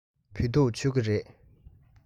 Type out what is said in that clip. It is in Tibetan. བོད ཐུག མཆོད ཀྱི རེད